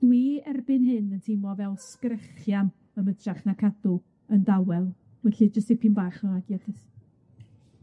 Dwi erbyn hyn yn teimlo fel sgrechian, ym ytrach na cadw yn dawel, felly jyst dipyn bach o .